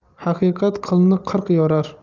haqiqat qilni qirq yorar